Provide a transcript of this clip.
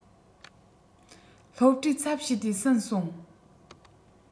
སློབ གྲྭའི ཚབ བྱས ཏེ ཟིན སོང